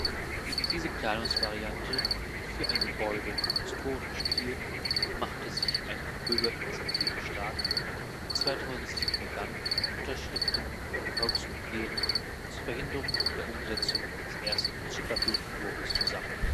Gegen diese Planungsvariante und für ein Gebäude im historischen Stil machte sich eine Bürgerinitiative stark, die 2007 begann, Unterschriften für ein Volksbegehren zur Verhinderung der Umsetzung des ersten Chipperfield-Entwurfes zu sammeln